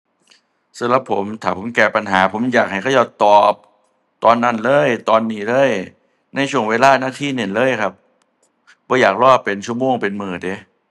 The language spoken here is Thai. สำหรับผม ถ้าผมแก้ปัญหา ผมอยากให้เขาเจ้าตอบตอนนั้นเลย ตอนนี้เลย ในช่วงเวลานาทีนั้นเลยครับ บ่อยากรอเป็นชั่วโมงเป็นมื้อเดะ